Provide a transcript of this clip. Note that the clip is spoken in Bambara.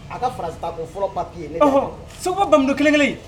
A ka farata ko fɔlɔ bapii ye segu bammuru kelen kelen